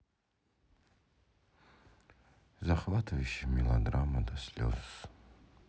захватывающая мелодрама до слез